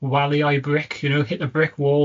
waliau bric, you know? Hit a brick wall